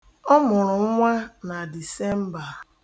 Ọ mụrụ nwa na Disemba.